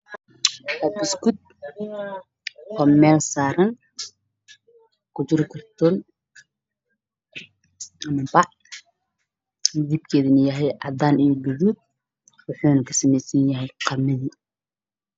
Waa basket oo baac ku jiro oo meel saaran midabkiisii guduud waxaa ka dambeeyo jeeda cagaar ah